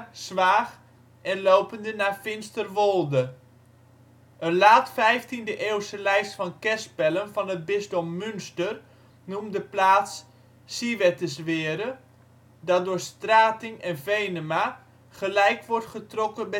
Zwaag en lopende naar Finsterwolde. Een laat-vijftiende eeuwse lijst van kerspelen van het bisdom Münster noemt de plaats Siweteswere, dat door Stratingh en Venema gelijk wordt getrokken